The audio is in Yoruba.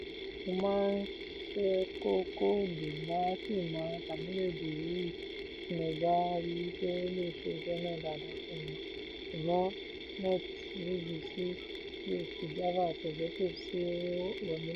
Mo má ń ṣe kọ kóòdù mo sì máa ń sàmúlò èdè yòówù tí mo bá rí wípé ó le se iṣẹ́ náà dáadáa fún mi, ṣùgbọ́n .NET(VB, C#), PHP, Java àti Objective C rọ̀ mí lọ́run.